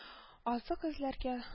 Азык эзләргә